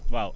waaw